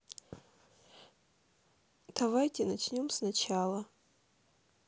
давайте начнем сначала